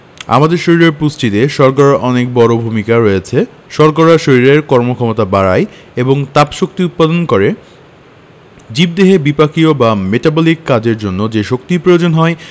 আমাদের শরীরের পুষ্টিতে শর্করার অনেক বড় ভূমিকা রয়েছে শর্করা শরীরের কর্মক্ষমতা বাড়ায় এবং তাপশক্তি উৎপাদন করে জীবদেহে বিপাকীয় বা মেটাবলিক কাজের জন্য যে শক্তির প্রয়োজন হয়